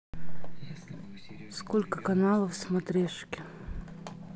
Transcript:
сколько каналов в смотрешке